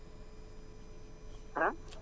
ah